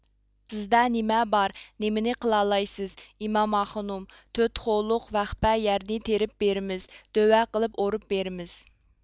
سىزدە نېمە بار نېمىنى قىلالايسىز ئىمامئاخۇنۇم تۆت خولۇق ۋەخپە يەرنى تېرىپ بېرىمىز دۆۋە قىلىپ ئورۇپ بېرىمىز